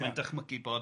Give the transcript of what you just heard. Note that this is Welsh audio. Mae'n dychmygu bod